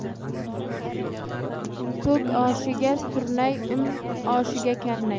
so'k oshiga surnay un oshiga karnay